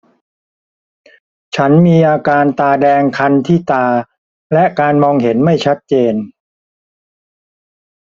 ฉันมีอาการตาแดงคันที่ตาและการมองเห็นไม่ชัดเจน